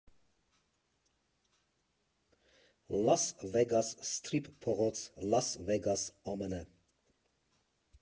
Լաս Վեգաս Սթրիփ փողոց, Լաս Վեգաս, ԱՄՆ։